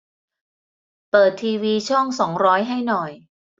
เปิดทีวีช่องสองร้อยให้หน่อย